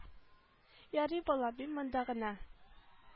Ярый балам мин монда гына